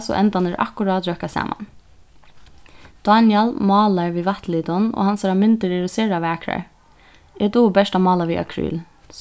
so endarnir akkurát røkka saman dánjal málar við vatnlitum og hansara myndir eru sera vakrar eg dugi bert at mála við akryl